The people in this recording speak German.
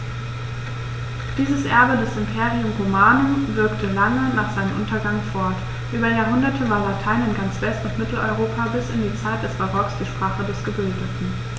Dieses Erbe des Imperium Romanum wirkte lange nach seinem Untergang fort: Über Jahrhunderte war Latein in ganz West- und Mitteleuropa bis in die Zeit des Barock die Sprache der Gebildeten.